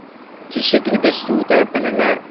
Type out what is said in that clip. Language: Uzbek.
teshik idish suvda bilinar